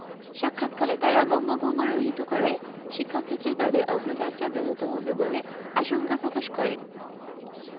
সাক্ষাৎকালে তাঁরা বঙ্গভঙ্গ রহিত করায় শিক্ষাক্ষেত্রে তাদের অগ্রযাত্রা ব্যাহত হবে বলে আশঙ্কা প্রকাশ করেন